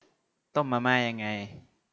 ต้มมาม่ายังไง